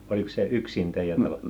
olikos se yksin teidän nuotta